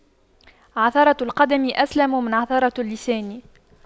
عثرة القدم أسلم من عثرة اللسان